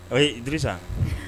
Ɔ di sa